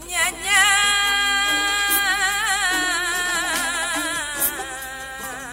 Y